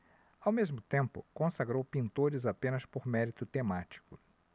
ao mesmo tempo consagrou pintores apenas por mérito temático